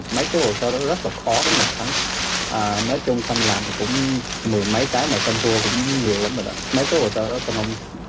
mấy cái hồ sơ rất khó để mà thắng à nói chung khanh làm cũng mười mấy cái mà khanh thua cũng nhiều lắm rồi đấy mấy cái hồ sơ đó